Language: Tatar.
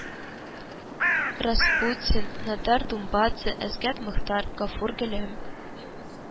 Распутин, Нодар Думбадзе, Әсгать Мохтар, Гафур Голәм